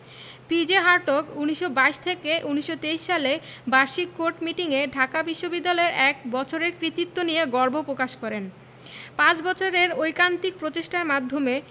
P J Hartog ১৯২২ থেকে ১৯২৩ সালে বার্ষিক কোর্ট মিটিং এ ঢাকা বিশ্ববিদ্যালয়ের এক বছরের কৃতিত্ব নিয়ে গর্ব পকাশ করেন পাঁচ বছরের ঐকান্তিক প্রচেষ্টার মাধ্যমে